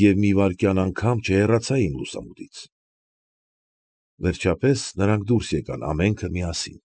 Եվ մի վայրկյան անգամ չհեռացա իմ լուսամուտից։ Վերջապես նրանք դուրս եկան ամենքը միասին։